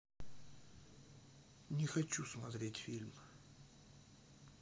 я не хочу смотреть фильм